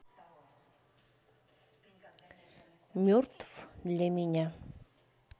мертв для меня